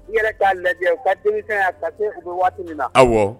N yɛrɛ k'a lajɛ u ka denkɛ yan ka u bɛ waati min na aw